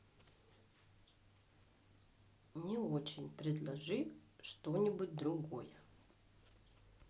не очень предложи что нибудь другое